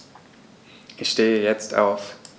Ich stehe jetzt auf.